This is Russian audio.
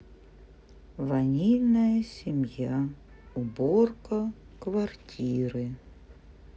ванильная семья уборка квартиры